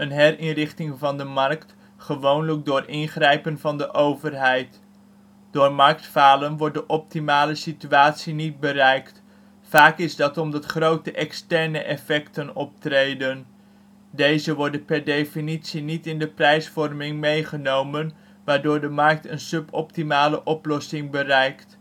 herinrichting van de markt, gewoonlijk door ingrijpen van de overheid. Door marktfalen wordt de optimale situatie niet bereikt. Vaak is dat omdat grote externe effecten optreden. Deze worden per definitie niet in de prijsvorming meegenomen, waardoor de markt een sub-optimale oplossing bereikt